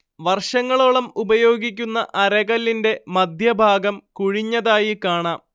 വർഷങ്ങളോളം ഉപയോഗിക്കുന്ന അരകല്ലിന്റെ മധ്യഭാഗം കുഴിഞ്ഞതായി കാണാം